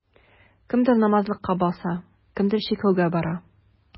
Кемдер намазлыкка басса, кемдер чиркәүгә бара.